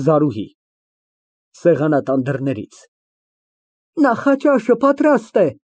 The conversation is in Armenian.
ԶԱՐՈՒՀԻ ֊ (Սեղանատան դռներից) Նախաճաշը պատրաստ է։